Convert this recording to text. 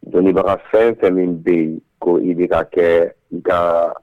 Dɔnnibaga fɛn fɛn min bɛ yen ko i bɛ ka kɛ nka